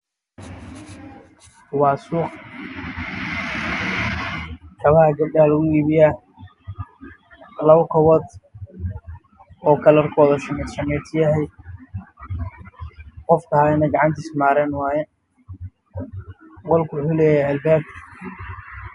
Waa suuq kabaha gabdha lagu ii biyo waa kabaha Gabdha midab koodu waa shamiito shamiito